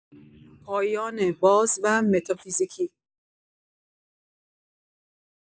پایان باز و متافیزیکی